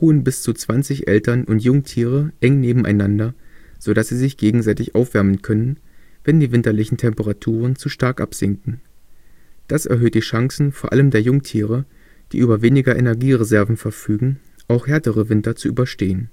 ruhen bis zu 20 Eltern - und Jungtiere eng nebeneinander, so dass sie sich gegenseitig aufwärmen können, wenn die winterlichen Temperaturen zu stark absinken. Das erhöht die Chancen vor allem der Jungtiere, die über weniger Energiereserven verfügen, auch härtere Winter zu überstehen